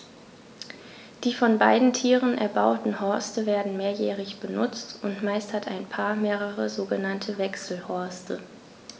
Die von beiden Tieren erbauten Horste werden mehrjährig benutzt, und meist hat ein Paar mehrere sogenannte Wechselhorste.